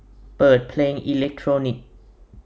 เปิดเพลงอิเลกโทรนิค